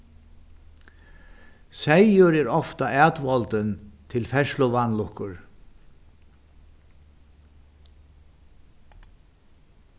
seyður er ofta atvoldin til ferðsluvanlukkur